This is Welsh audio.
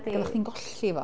Ac oeddach chi'n golli fo.